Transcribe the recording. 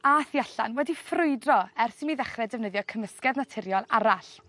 a thu allan wedi ffrwydro ers i mi ddechre defnyddio cymysgedd naturiol arall.